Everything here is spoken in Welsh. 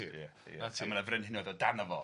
A ma' 'na frenhinoedd o dano fo.